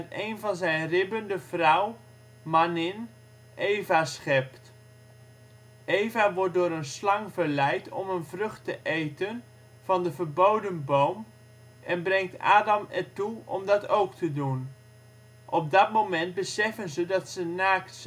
een van zijn ribben de vrouw (mannin) Eva schept. Eva wordt door een slang verleid om een vrucht te eten van de verboden boom en brengt Adam ertoe om dat ook te doen. Op dat moment beseffen ze dat ze naakt